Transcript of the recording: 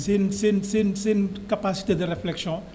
seen seen seen seen capacité de reflexion